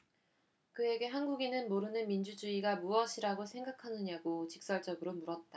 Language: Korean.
그에게 한국인이 모르는 민주주의가 무엇이라고 생각하느냐고 직설적으로 물었다